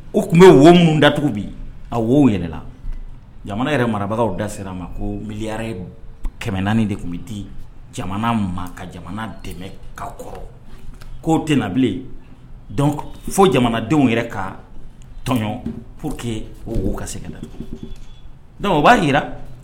U tun bɛ wo minnu datugubi a wo yɛrɛ la jamana yɛrɛ marabagaw da sera a ma ko miyare kɛmɛ naani de tun bɛ di jamana ma ka jamana dɛmɛ ka kɔrɔ koo tɛbilen fo jamanadenw yɛrɛ ka tɔnɔn p que o' ka seginla dɔnku o b'a jira